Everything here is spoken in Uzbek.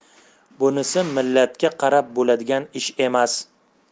bunisi millatga qarab bo'ladigan ish emas